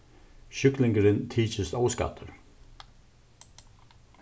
sjúklingurin tykist óskaddur